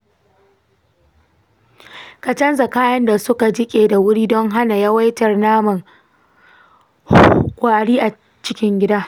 ka canza kayan da suka jiƙe da wuri don hana yawaitar naman gwari a cikin gida.